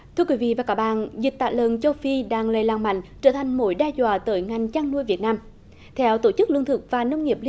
thưa quý vị và các bạn dịch tả lợn châu phi đang lây lan mạnh trở thành mối đe dọa tới ngành chăn nuôi việt nam theo tổ chức lương thực và nông nghiệp